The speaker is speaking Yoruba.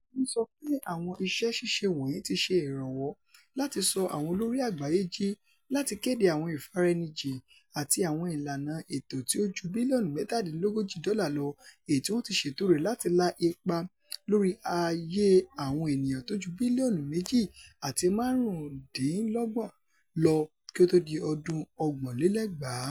Ó ńsọ pé àwọn iṣẹ́ ṣíṣe wọ̀nyí ti ṣe ìrànwọ́ láti ṣọ àwọn olóri àgbáyé ji láti kéde àwọn ìfiraẹnijìn àti àwọn ìlàna ètò tí ó ju bílíọ̀nù mẹ́tàdínlógójì dọ́là lọ èyití wọ́n ti ṣètò rẹ̀ láti la ipa lórí ayé àwọn ènìyàn tóju bílíọ̀nù 2.25 lọ kí ó tó di ọdún 2030.